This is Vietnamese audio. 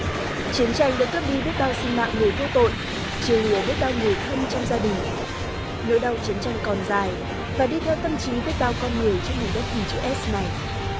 chiến tranh đã cướp đi sinh mạng người vô tội chia lìa biết bao người thân trong gia đình nỗi đau chiến tranh còn dài và đi theo tâm trí biết bao con người trên đất hình chữ ét này